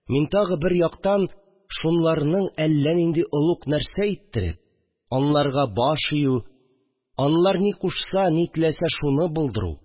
Мин тагы, бер яктан, шуларны әллә нинди олуг нәрсә иттереп, аларга баш ию, алар ни кушса, ни теләсә, шуны булдыру